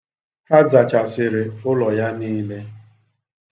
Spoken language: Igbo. Ha zachasịrị ụlọ ya niile.